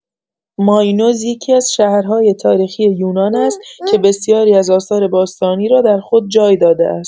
ماینوز یکی‌از شهرهای تاریخی یونان است که بسیاری از آثار باستانی را در خود جای داده است.